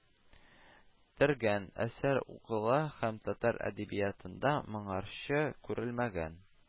Төргән, әсәр укыла һәм татар әдәбиятында моңарчы күрелмәгән